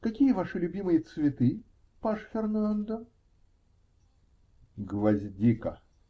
Какие ваши любимые цветы, паж Фернандо? -- Гвоздика.